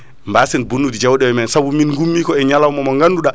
bassen bonnude jawɗele men saabu min gummi ko e ñalawma mo ganduɗa